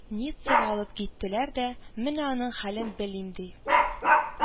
Ницага алып киттеләр дә, менә аның хәлен белим дип